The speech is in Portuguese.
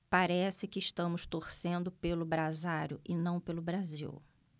parece que estamos torcendo pelo brasário e não pelo brasil